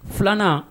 2 nan